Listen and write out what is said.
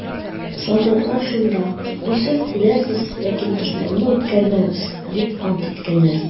Солдатлар шунда: «Үлсәк үләрбез, ләкин дошманны үткәрмәбез!» - дип ант иткәннәр.